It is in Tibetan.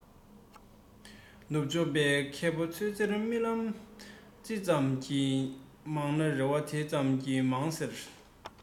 ནུབ ཕྱོགས པའི མཁས པ ཚོས ཟེར རྨི ལམ ཅི ཙམ གྱིས མང ན རེ བ དེ ཙམ གྱིས མང ཟེར